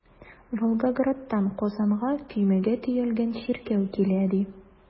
Волгоградтан Казанга көймәгә төялгән чиркәү килә, ди.